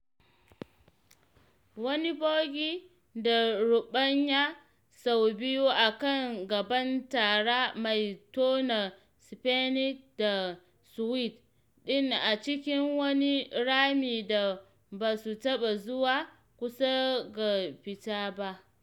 Wani bogey da ruɓanya sau biyu a kan gaban tara mai tona Spaniard da Swede din a cikin wani rami da ba su taɓa zuwa kusa ga fita ba.